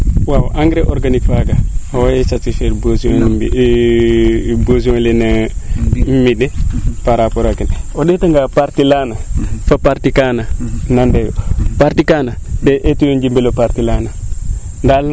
waaw engrais organique faaga owa satistfaire besion lene mbine par rapport kene o ndeta nga partie laana fo partie kaana nande yo partie kaana den eetuyo njemelo yo partie laana ndaa